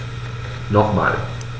Nochmal.